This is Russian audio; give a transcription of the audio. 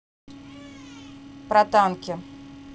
про танки